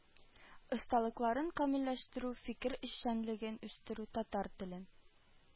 Осталыкларын камиллəштерү, фикер эшчəнлеген үстерү, татар телен